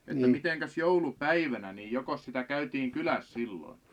että mitenkäs joulupäivänä niin jokos sitä käytiin kylässä silloin